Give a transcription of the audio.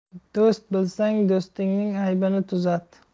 do'st bo'lsang do'stingning aybini tuzat